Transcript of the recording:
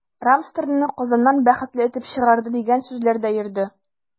“рамстор”ны казаннан “бәхетле” этеп чыгарды, дигән сүзләр дә йөрде.